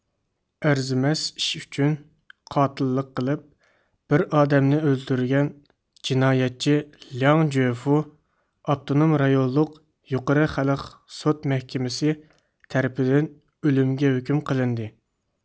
ئەرزىمەس ئىش ئۈچۈن قاتىللىق قىلىپ بىر ئادەمنى ئۆلتۈرگەن جىنايەتچى لياڭ جۆفۇ ئاپتونوم رايونلۇق يۇقىرى خەلق سوت مەھكىمىسى تەرىپىدىن ئۆلۈمگە ھۆكۈم قىلىندى